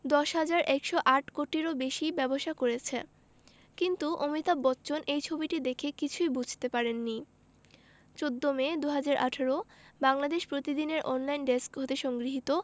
১০১০৮ কোটিরও বেশি ব্যবসা করেছে কিন্তু অমিতাভ বচ্চন এই ছবিটি দেখে কিছুই বুঝতে পারেননি ১৪মে ২০১৮ বাংলাদেশ প্রতিদিন এর অনলাইন ডেস্ক হতে সংগৃহীত